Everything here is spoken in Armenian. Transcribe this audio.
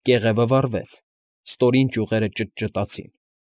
Կեղևը վառվեց, ստորին ճյուղերը ճտճտացին։